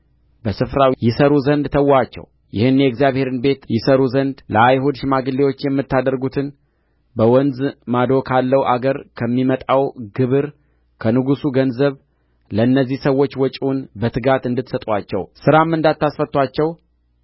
በስፍራው ይሠሩ ዘንድ ተዉአቸው ይህን የእግዚአብሔርን ቤት ይሠሩ ዘንድ ለአይሁድ ሽማግሌዎች የምታደርጉትን በወንዝ ማዶ ካለው አገር ከሚመጣው ግብር ከንጉሡ ገንዘብ ለእነዚህ ሰዎች ወጪውን በትጋት እንድትሰጡአቸው ሥራም እንዳታስፈቱአቸው